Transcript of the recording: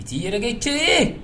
A tɛ yɛrɛke tiɲɛ ye